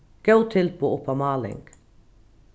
góð tilboð upp á máling